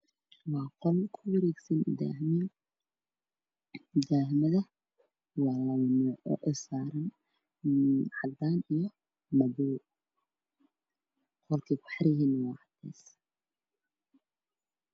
Waa qool ku wareegsan dahman dahmada waa laba nuuc saran cadan iyo madoow qolkey ku xiran yahiin waa cadees